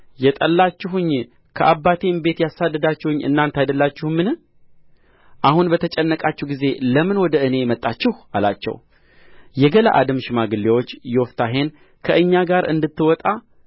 የጠላችሁኝ ከአባቴም ቤት ያሳደዳችሁኝ እናንተ አይደላችሁምን አሁን በተጨነቃችሁ ጊዜ ለምን ወደ እኔ መጣችሁ አላቸው የገለዓድም ሽማግሌዎች ዮፍታሔን ከእኛ ጋር እንድትወጣ